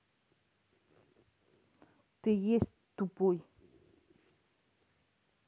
ты есть тупой